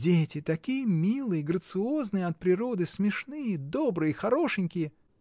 Дети — такие милые, грациозные от природы, смешные, добрые, хорошенькие!